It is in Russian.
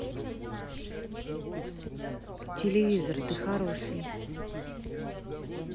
телевизор ты хороший